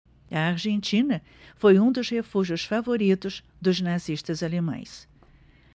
a argentina foi um dos refúgios favoritos dos nazistas alemães